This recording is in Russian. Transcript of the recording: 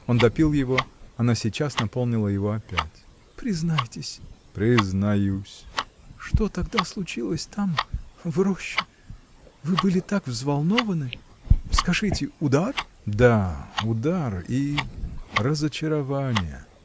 Он допил его, она сейчас наполнила его опять. — Признайтесь. — Признаюсь. — Что тогда случилось там. в роще?. Вы были так взволнованы. Скажите. удар?. — Да, удар и. разочарование.